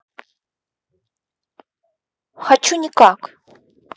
хочу никак